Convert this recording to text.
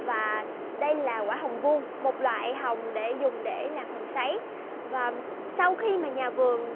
và đây là quả hồng vuông một loại hồng để dùng để làm hồng sấy và sau khi mà nhà vườn